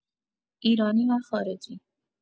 ایرانی و خارجی